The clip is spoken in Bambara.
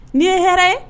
Ni ye hɛrɛ ye